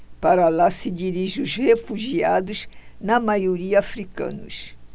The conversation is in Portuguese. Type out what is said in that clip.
para lá se dirigem os refugiados na maioria hútus